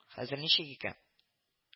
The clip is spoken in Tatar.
Хәзер ничек икән